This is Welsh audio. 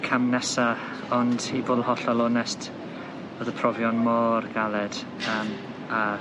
cam nesa ond i bod yn hollol onest ro'dd y profion mor galed yym a